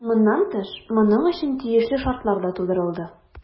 Моннан тыш, моның өчен тиешле шартлар да тудырылды.